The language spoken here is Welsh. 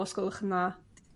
Os gwelwch yn dda.